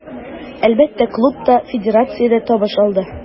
Әлбәттә, клуб та, федерация дә табыш алды.